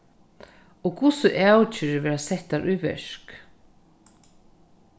og hvussu avgerðir verða settar í verk